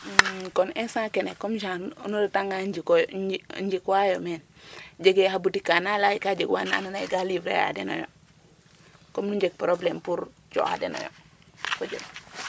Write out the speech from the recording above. Kon instant kene comme genre nu ndetanga njikooyo, njikwaayo men jegee xa boutique ka na laya ye ka jeg wa andoona yee ga livrer a deno yo comme nu njeg probleme pour cooxaa den oyo fo jem.